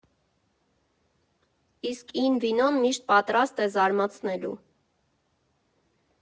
Իսկ Ին վինոն միշտ պատրաստ է զարմացնելու։